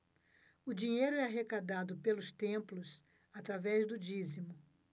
o dinheiro é arrecadado pelos templos através do dízimo